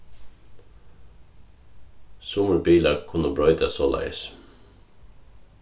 summir bilar kunnu broytast soleiðis